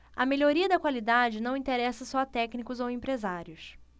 a melhoria da qualidade não interessa só a técnicos ou empresários